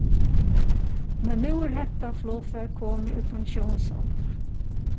men nú er hetta flogfar komið í pensjónsaldur